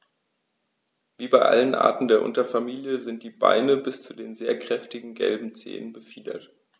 Wie bei allen Arten der Unterfamilie sind die Beine bis zu den sehr kräftigen gelben Zehen befiedert.